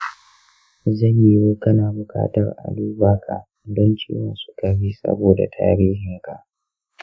zai yiwu kana bukatar a duba ka don ciwon sukari saboda tarihin ka.